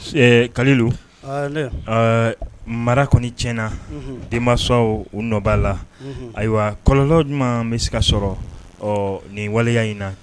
Ee kalu mara kɔni tiɲɛna denmanw nɔba la ayiwa kɔlɔ ɲuman bɛ se ka sɔrɔ ɔ nin waleya in na